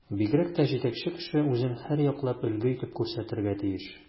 Бигрәк тә җитәкче кеше үзен һәрьяклап өлге итеп күрсәтергә тиеш.